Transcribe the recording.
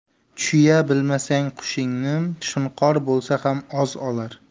chuya bilmasang qushingni shunqor bo'lsa ham oz olar